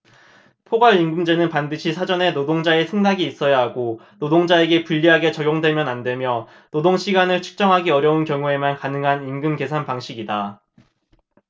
포괄임금제는 반드시 사전에 노동자의 승낙이 있어야 하고 노동자에게 불리하게 적용되면 안 되며 노동시간을 측정하기 어려운 경우에만 가능한 임금계산 방식이다